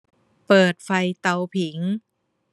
เปิดไฟเตาผิง